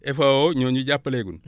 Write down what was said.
FAO ñoo ñu jàppaleegum